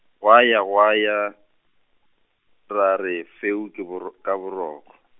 gwa ya gwa ya, ra re feu ke boro, ka boroko.